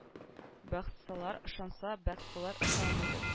Бәгъзеләр ышанса да бәгъзеләр ышанмыйдыр